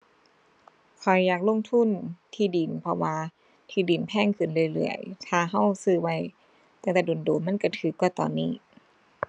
ข้อยอยากลงทุนที่ดิน เพราะว่าที่ดินแพงขึ้นเรื่อยเรื่อย ถ้าเราซื้อไว้ตั้งแต่โดนโดน มันเราเรากว่าตอนนี้